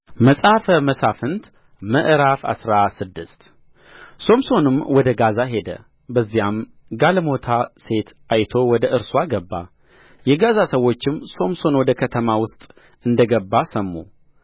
መጽሐፈ መሣፍንት ምዕራፍ አስራ ስድስት ሶምሶንም ወደ ጋዛ ሄደ በዚያም ጋለሞታ ሴት አይቶ ወደ እርስዋ ገባ የጋዛ ሰዎችም ሶምሶን ወደ ከተማ ውስጥ እንደ ገባ ሰሙ